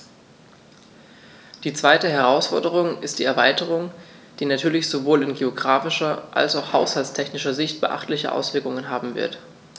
Die zweite Herausforderung ist die Erweiterung, die natürlich sowohl in geographischer als auch haushaltstechnischer Sicht beachtliche Auswirkungen haben wird.